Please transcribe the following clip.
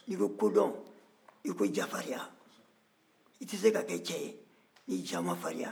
n'i ko kodɔn i ko jafarinya i tɛ se ka kɛ cɛ ye n'i ja man farinya